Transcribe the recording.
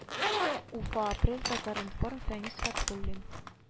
Уфа апрель татар-информ фәнис фәтхуллин